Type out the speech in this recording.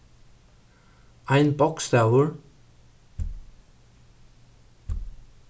ein bókstavur